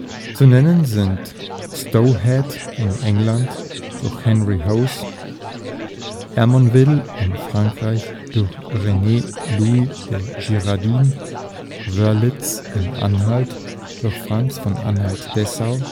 Zu nennen sind Stourhead in England (durch Henry Hoare d. J.), Ermenonville in Frankreich (durch René Louis de Girardin), Wörlitz in Anhalt (durch Franz von Anhalt-Dessau